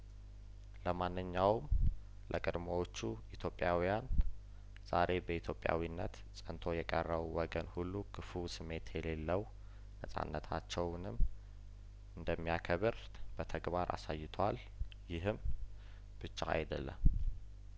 ለማንኛውም ለቀድሞዎቹ ኢትዮጵያውያን ዛሬ በኢትዮጵያዊነት ጸንቶ የቀረው ወገን ሁሉ ክፉ ስሜት የሌለው ነጻነታቸውንም እንደሚያከብር በተግባር አሳይቶ አልይህም ብቻ አይደለም